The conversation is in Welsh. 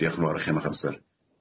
Diolch yn fowr i chi am ych amser.